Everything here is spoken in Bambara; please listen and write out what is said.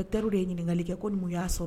Taararw de ye ɲininkakali kɛ ko mun y'a sɔrɔ